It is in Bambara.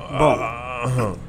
Bon anhan